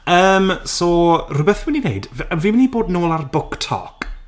Yym, so rhywbeth fi'n mynd i wneud f- fi'n mynd i bod nôl ar BookTok.